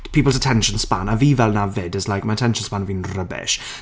people's attention span a fi fel 'na 'fyd. It's like, ma' attention span fi'n rubbish.*